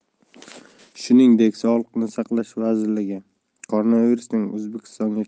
shuningdek sog'liqni saqlash vazirligi koronavirusning o'zbekistonga